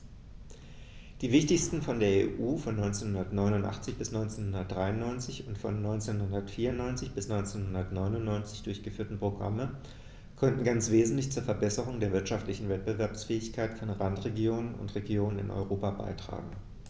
Die wichtigsten von der EU von 1989 bis 1993 und von 1994 bis 1999 durchgeführten Programme konnten ganz wesentlich zur Verbesserung der wirtschaftlichen Wettbewerbsfähigkeit von Randregionen und Regionen in Europa beitragen.